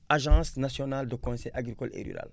agence nationale de conseil agricol et rural